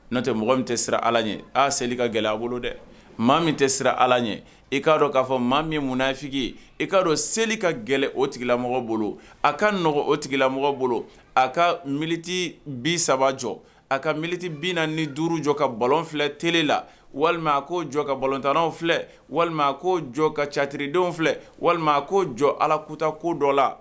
N'o tɛ mɔgɔ min tɛ sira ala ye a seli ka gɛlɛ a bolo dɛ maa min tɛ sira ala ɲɛ i k'a dɔn k'a fɔ maa min ye munyefi ye i k'a dɔn seli ka gɛlɛya o tigila mɔgɔ bolo a ka n nɔgɔ o tigila mɔgɔ bolo a ka miti bi saba jɔ a ka moti bin na ni duuru jɔ ka balo filɛ tele la walima a ko jɔ ka balotanraw filɛ walima a ko jɔ ka catiriridenw filɛ walima a ko jɔ ala kuta ko dɔ la